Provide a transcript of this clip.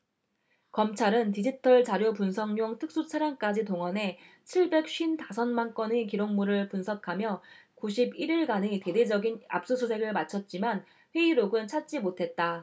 검찰은 디지털자료 분석용 특수차량까지 동원해 칠백 쉰 다섯 만건의 기록물을 분석하며 구십 일 일간의 대대적인 압수수색을 마쳤지만 회의록은 찾지 못했다